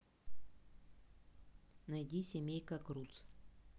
найди семейка крудс